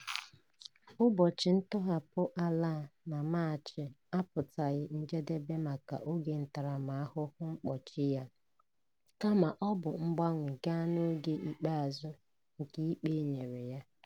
Ụbọchị ntọghapụ Alaa na Maachị apụtaghị njedebe nke oge ntaramahụhụ mkpọchi ya, kama ọ bụ mgbanwe gaa n'oge ikpeazụ nke ikpe e nyere ya.